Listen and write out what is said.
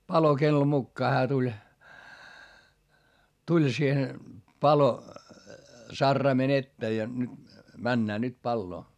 palokello mukaan hän tuli tuli siihen - palosaraimen eteen ja nyt mennään nyt paloa